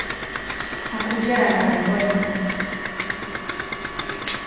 kanst tú gera mær ein beina